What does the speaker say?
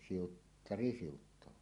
siuttari siuttaa